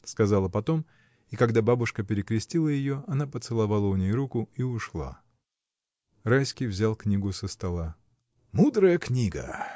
— сказала потом, и когда бабушка перекрестила ее, она поцеловала у ней руку и ушла. Райский взял книгу со стола. — Мудрая книга!